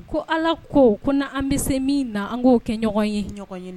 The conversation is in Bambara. Ko ala ko ko an bɛ se min na an k'o kɛ ɲɔgɔn ɲɔgɔn ye na